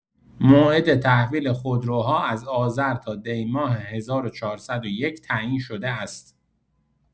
موعد تحویل خودروها از آذر تا دی‌ماه ۱۴۰۱ تعیین شده است.